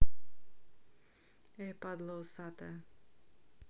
эй падла усатая